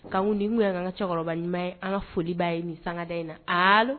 Kan ni yan an ka cɛkɔrɔba ye an ka foli baa ye min sangada in na